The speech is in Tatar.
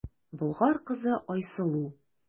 Болгар кызы Айсылу.